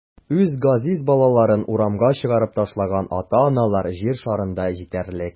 Үз газиз балаларын урамга чыгарып ташлаган ата-аналар җир шарында җитәрлек.